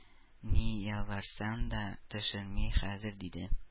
Ни ялварсаң да төшермим хәзер! — диде.